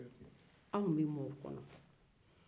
anw bɛ mɔ o kɔnɔ